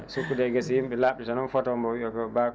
surtout ɗe geese yimɓe labɗe tan omo photo a omo wiiya to